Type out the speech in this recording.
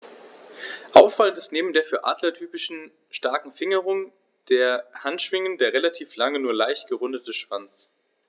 Auffallend ist neben der für Adler typischen starken Fingerung der Handschwingen der relativ lange, nur leicht gerundete Schwanz.